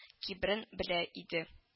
Кибрен белә иде